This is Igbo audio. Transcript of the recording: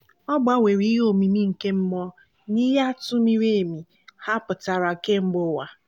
Ọgba nwere ihe omimi kemmụọ na ihe atụ miri emi ha pụtara kemgbe ụwa.